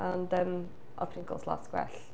Ond yym o'dd Pringles lot gwell.